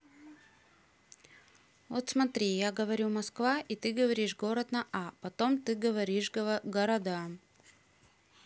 вот смотри я говорю москва и ты говоришь город на а потом ты говоришь города